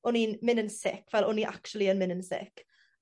o'n i'n myn' yn sic fel o'n i actually yn myn' yn sic.